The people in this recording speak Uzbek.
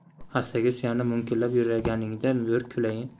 hassaga suyanib munkillab yurganingda bir kulayin